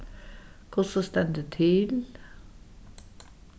hvussu stendur til